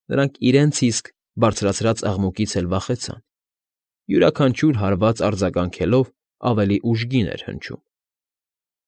Նրանք իրենց իսկ բարձրացրած աղմուկիցէլ վախեցան. յուրաքանչյուր հարված արձագանքելով՝ ավելի ուժգին էր հնչում։